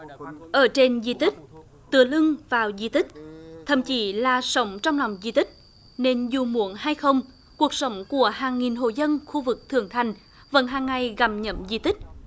ở trên di tích tựa lưng vào di tích thậm chí là sống trong lòng di tích nên dù muốn hay không cuộc sống của hàng nghìn hộ dân khu vực thượng thành vẫn hằng ngày gặm nhấm di tích